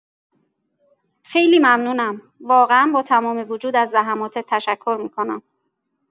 خیلی ممنونم، واقعا با تمام وجود از زحماتت تشکر می‌کنم.